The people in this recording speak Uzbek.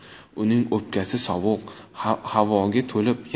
uning o'pkasi sovuq havoga to'lib